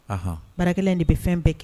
Aɔn baarakɛ de bɛ fɛn bɛɛ kɛ